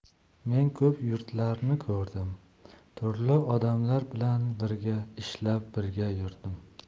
men ko'p yurtlarni ko'rdim turli odamlar bilan birga ishlab birga yurdim